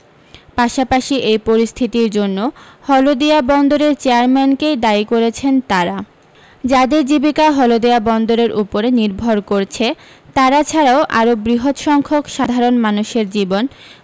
পাশাপাশি এই পরিস্থিতির জন্য হলদিয়া বন্দরের চেয়ারম্যানকেই দায়ী করেছেন তাঁরা যাঁদের জীবিকা হলদিয়া বন্দরের উপরে নির্ভর করছে তাঁরা ছাড়াও আরও বৃহত সংখ্যক সাধারণ মানুষের জীবন